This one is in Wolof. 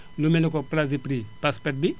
lu mel ni que *****